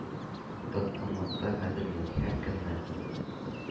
Тоткынлыкта хәзер мин... һәр көнне